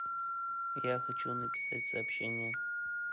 я хочу написать сообщение